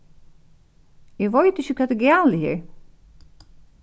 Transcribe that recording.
eg veit ikki hvat er galið her